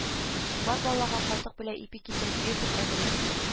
Бар, балага катык белә ипи китереп бир", – дип әмер итте